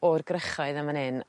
o'r grychoedd lan man 'yn